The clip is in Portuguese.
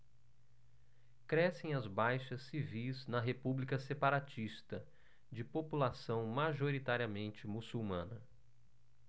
crescem as baixas civis na república separatista de população majoritariamente muçulmana